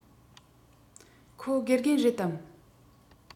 ཁོ དགེ རྒན རེད དམ